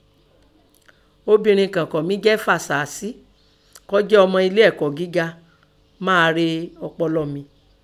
Obìrin kàn kọ́ mí jẹ́ Fàsásí, kọ́ jẹ́ ọmọ elé ẹ̀kọ́ gẹ́ga, máa re ọpọlọ mi.